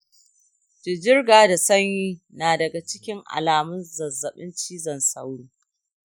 jijiriga da sanyi na daga cikin alamun zazzabin cizon sauro